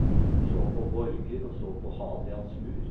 Så på borger og så på Hadrians mur.